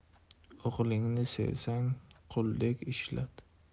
o'g'lingni sevsang quldek ishlat